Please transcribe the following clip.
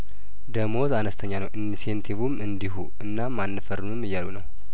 ደሞዝ አነስተኛ ነው ኢንሴን ቲቩም እንዲሁ እናም አንፈርምም እያሉ ነው